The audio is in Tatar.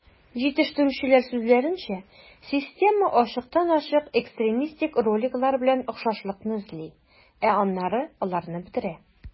Җитештерүчеләр сүзләренчә, система ачыктан-ачык экстремистик роликлар белән охшашлыкны эзли, ә аннары аларны бетерә.